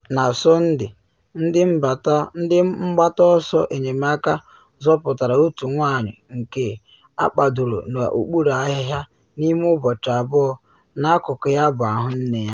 Na Sọnde, ndị mgbata ọsọ enyemaka zọpụtara otu nwanyị nke akpadoro n’okpuru ahịhịa n’ime ụbọchị abụọ, n’akụkụ ya bụ ahụ nne ya.